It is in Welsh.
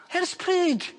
Ers pryd?